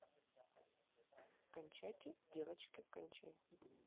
кончайте девочки кончайте